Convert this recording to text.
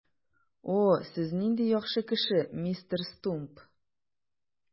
О, сез нинди яхшы кеше, мистер Стумп!